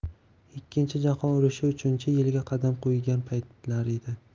ikkinchi jahon urushi uchinchi yilga qadam qo'ygan paytlar edi